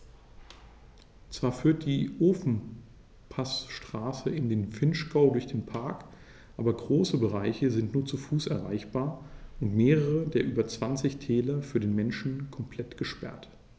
Zwar führt die Ofenpassstraße in den Vinschgau durch den Park, aber große Bereiche sind nur zu Fuß erreichbar und mehrere der über 20 Täler für den Menschen komplett gesperrt.